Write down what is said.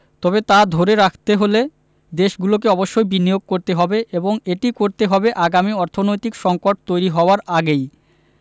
তবে তা ধরে রাখতে হলে দেশগুলোকে অবশ্যই বিনিয়োগ করতে হবে এবং এটি করতে হবে আগামী অর্থনৈতিক সংকট তৈরি হওয়ার আগেই